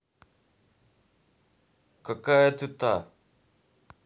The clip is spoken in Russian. какая ты та